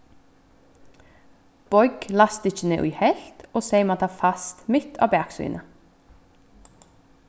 boygg lastikkið í helvt og seyma tað fast mitt á baksíðuna